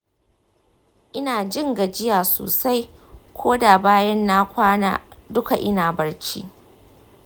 ina jin gajiya sosai ko da bayan na kwana duka ina barci.